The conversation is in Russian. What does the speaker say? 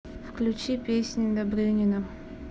включи песни добрынина